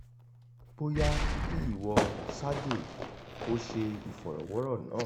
Bóyá kí ìwọ Sergey ó ṣe ìfọ̀rọ̀wọ́rọ̀ náà?